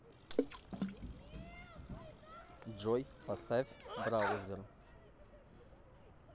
джой поставь браузер